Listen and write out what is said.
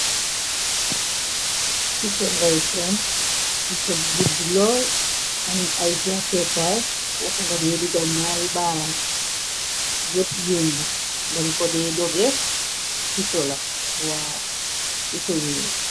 cisongay seen cison bu budbu lool ami ay jia peekar fufo nga dee dugalññaari baarang yépp weñ la dañ ko dee doge cison la waw cison sowee.